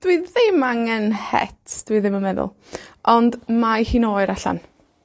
dwi ddim angen het, dwi ddim yn meddwl, ond mae hi'n oer allan.